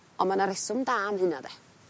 On' ma' 'na reswm da am hynna 'de.